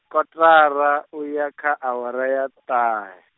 kotara u ya kha awara ya ṱahe.